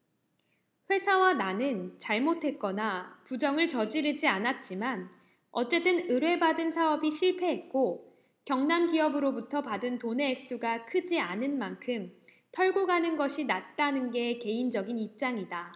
회사와 나는 잘못했거나 부정을 저지르지 않았지만 어쨌든 의뢰받은 사업이 실패했고 경남기업으로부터 받은 돈의 액수가 크지 않은 만큼 털고 가는 것이 낫다는 게 개인적인 입장이다